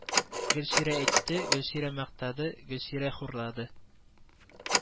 Гөлсирә әйтте , Гөлсирә мактады , Гөлсирә хурлады